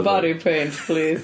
Body paint, please.